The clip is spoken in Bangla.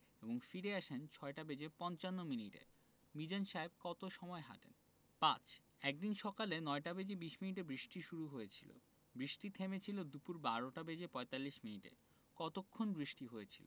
এবং ফিরে আসেন ৬টা বেজে৫৫ মিনিটে মিজান সাহেব কত সময় হাঁটেন ৫ একদিন সকালে ৯টা বেজে২০মিনিটে বৃষ্টি শুরু হয়েছিল বৃষ্টি থেমেছিল দুপুর ১২টা বেজে ৪৫ মিনিটে কতক্ষণ বৃষ্টি হয়েছিল